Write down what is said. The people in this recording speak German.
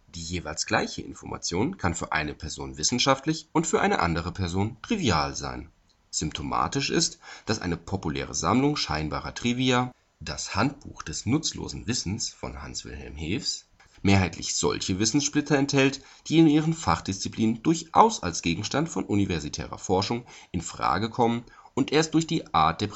jeweils gleiche Information kann für eine Person wissenschaftlich und für eine andere Person trivial sein. Symptomatisch ist, dass eine populäre Sammlung scheinbarer Trivia, das Handbuch des nutzlosen Wissens von Hanswilhelm Haefs, mehrheitlich solche Wissenssplitter enthält, die in ihren Fachdisziplinen durchaus als Gegenstand von universitärer Forschung in Frage kommen und erst durch die Art